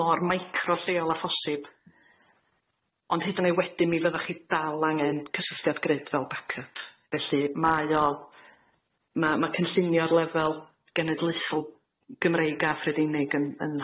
mor micro lleol a phosib ond hyd yn ei wedyn mi fyddach chi dal angen cysylltiad grid fel back up felly mae o ma' ma' cynllunio'r lefel genedlaethol Gymreig a Phrydeinig yn yn